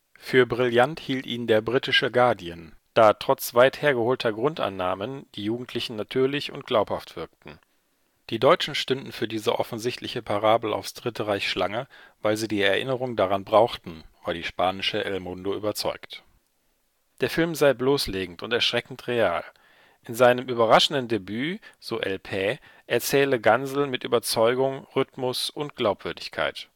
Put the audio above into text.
Für brillant hielt ihn der britische Guardian, da trotz weit hergeholter Grundannahmen die Jugendlichen natürlich und glaubhaft wirkten. Die Deutschen stünden für diese offensichtliche Parabel aufs Dritte Reich Schlange, weil sie die Erinnerung daran brauchten, war die spanische El Mundo überzeugt. Der Film sei bloßlegend und erschreckend real. In seinem überraschenden Debüt, so El País, erzähle Gansel mit Überzeugung, Rhythmus und Glaubwürdigkeit